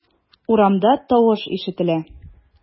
Урамда тавыш ишетелә.